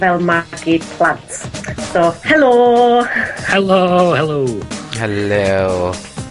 fel magu plant. So helo! Helo, helo. Helo.